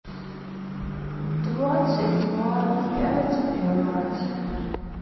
двадцать два пять пять